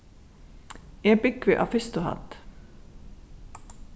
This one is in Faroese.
eg búgvi á fyrstu hædd